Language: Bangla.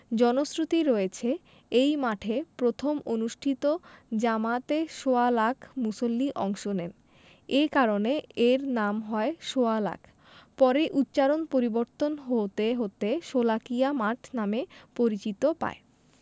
জনশ্রুতি রয়েছে এই মাঠে প্রথম অনুষ্ঠিত জামাতে সোয়া লাখ মুসল্লি অংশ নেন এ কারণে এর নাম হয় সোয়া লাখ পরে উচ্চারণ পরিবর্তন হতে হতে শোলাকিয়া মাঠ নামে পরিচিত পায়